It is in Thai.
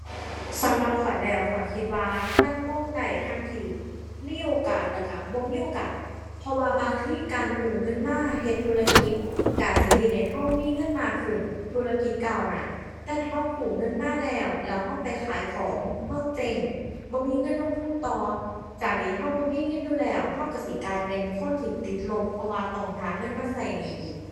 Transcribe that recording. ไฮไลต์มีปัญหา